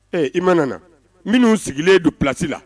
Ee i ma nana minnu sigilen don place la